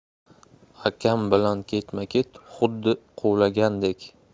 akam bilan ketma ket xuddi quvlagandek